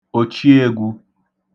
òchiēgwū